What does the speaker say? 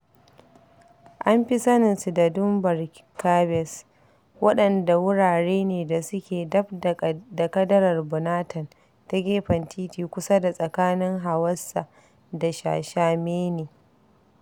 An fi sanin su da Dunbar Caɓes, waɗanda wurare ne da suke daf da kadarar Bonatan ta gefen titi kusa da tsakanin Hawassa da Shashamene